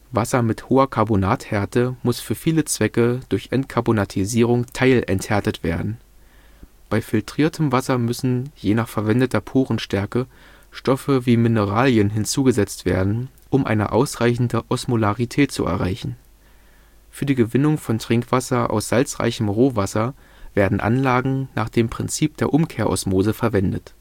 Wasser mit hoher Carbonathärte muss für viele Zwecke durch Entcarbonatisierung teilenthärtet werden. Bei filtriertem Wasser müssen, je nach verwendeter Porenstärke, Stoffe wie Mineralien hinzugesetzt werden, um eine ausreichende Osmolarität zu erreichen. Für die Gewinnung von Trinkwasser aus salzreichem Rohwasser werden Anlagen nach dem Prinzip der Umkehrosmose verwendet